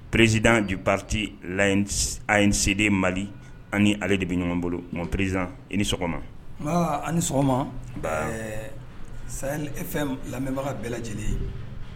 Prezd jupti an seden mali ani ale de bɛ ɲɔgɔn bolo nk prerizd i ni sɔgɔma ani ni sɔgɔma saya e fɛn lamɛnbaga bɛɛ lajɛlen ye